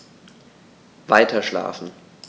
Weiterschlafen.